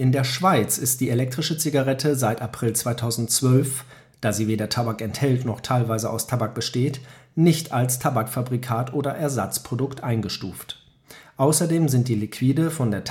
der Schweiz ist die elektrische Zigarette seit April 2012, da sie weder Tabak enthält, noch teilweise aus Tabak besteht, nicht als Tabakfabrikat oder Ersatzprodukt eingestuft. Außerdem sind die Liquide von der Tabaksteuer